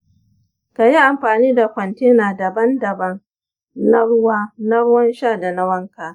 ka yi amfani da kwantena daban-daban na ruwan sha da na wanka.